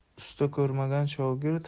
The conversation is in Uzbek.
usta ko'rmagan shogird